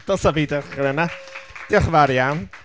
Dylse fi dechrau 'da 'na. Diolch yn fawr iawn.